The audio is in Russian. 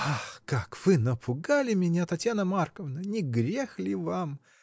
— Ах, как вы напугали меня, Татьяна Марковна, не грех ли вам?